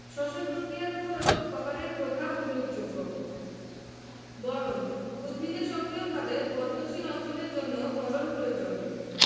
শ্বসন পক্রিয়ার উপরও কপারের প্রভাব উল্লেখযোগ্য বোরন উদ্ভিদের সক্রিয়ভাবে বর্ধনশীল অঞ্চলের জন্য বোরন প্রয়োজন